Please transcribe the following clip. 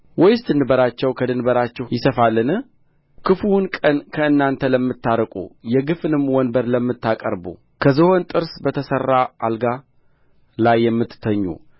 ወይስ ድንበራቸው ከድንበራችሁ ይሰፋልን ክፉውን ቀን ከእናንተ ለምታርቁ የግፍንም ወንበር ለምታቀርቡ ከዝሆን ጥርስ በተሠራ አልጋ ላይ ለምትተኙ